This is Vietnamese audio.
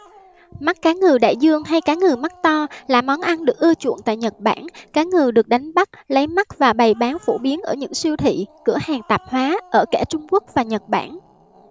mắt cá ngừ đại dương hay cá ngừ mắt to là món ăn được ưa chuộng tại nhật bản cá ngừ được đánh bắt lấy mắt và bày bán phổ biến ở những siêu thị cửa hàng tạp hóa ở cả trung quốc và nhật bản